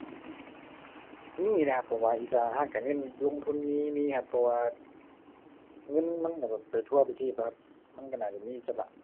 มีนะครับผมว่าอิสระทางการเงินลงทุนมีมีครับ เพราะว่าเงินมันก็แบบไปทั่วไปทีบอะครับ มันก็น่าจะแบบมีอิสระ